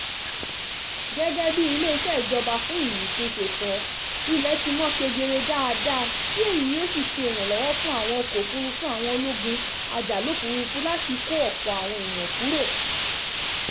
Gẹ́gẹ́ bí ilé-iṣẹ́ ìjọba fún Ìwífún ṣe sọ, ilẹ̀ ti ń mọ́ kedere dáadáa tí èyí yóò sì ṣe ìrànlọ́wọ́ fún àwọn ọkọ̀ òfurufú àwọn ológun ajàlófurufú láti kó ọ̀pọ̀ àwọn èèyàn kúrò.